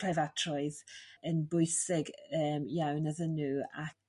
preifatroedd yn bwysig yym iawn iddyn n'w